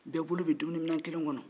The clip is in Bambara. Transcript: bɛɛ bolo bɛ dumuni minan kelen kɔnɔ